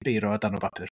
Beiro a darn o bapur.